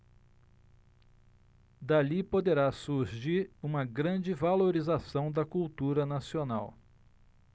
dali poderá surgir uma grande valorização da cultura nacional